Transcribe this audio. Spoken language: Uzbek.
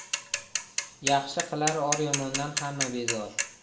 yaxshi qilar or yomondan hamma bezor